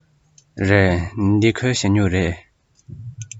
རེད འདི ཁོའི ཞ སྨྱུག རེད